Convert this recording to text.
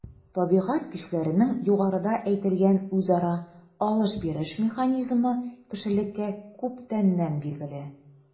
Табигать көчләренең югарыда әйтелгән үзара “алыш-биреш” механизмы кешелеккә күптәннән билгеле.